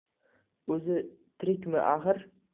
o'zi tirikmi axir